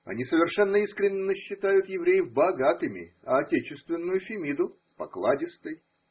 Они совершенно искренно считают евреев богатыми, а отечественную Фемиду покладистой.